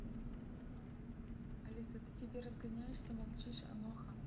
алиса ты тебе разгоняешься молчишь аноха